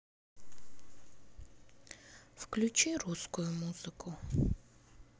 включи русскую музыку